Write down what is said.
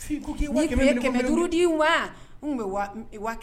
F'i ko k'i ye 100.000 minɛ CHEVAUCHEMENTS> n'i kun ye 100 wurudi waa un kun bɛ wa un e wa k